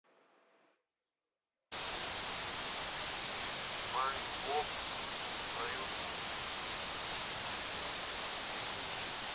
спанч боб на ютубе